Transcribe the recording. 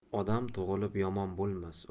odam tug'ilib yomon